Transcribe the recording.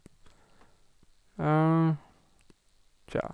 Tja.